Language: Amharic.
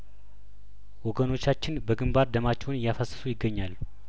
ወገኖቻችን በግንባር ደማቸውን እያፈሰሱ ይገኛሉ